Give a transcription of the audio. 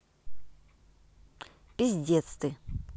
пиздец ты